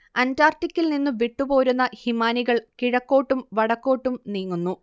അന്റാർട്ടിക്കിൽ വിട്ടുപോരുന്ന ഹിമാനികൾ കിഴക്കോട്ടും വടക്കോട്ടും നീങ്ങുന്നു